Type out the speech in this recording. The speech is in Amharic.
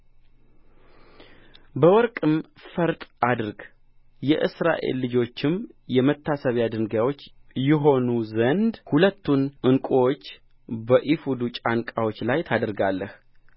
በወርቅም ፈርጥ አድርግ የእስራኤል ልጆችም የመታሰቢያ ድንጋዮች ይሆኑ ዘንድ ሁለቱን ዕንቍዎች በኤፉዱ ጫንቃዎች ላይ ታደርጋለህ